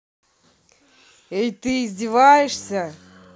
эй ты издеваешься